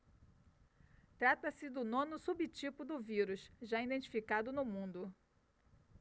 trata-se do nono subtipo do vírus já identificado no mundo